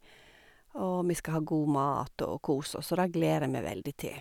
Og vi skal ha god mat og kose oss, og det gleder jeg meg veldig til.